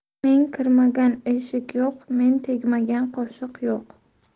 men kirmagan eshik yo'q men tegmagan qoshiq yo'q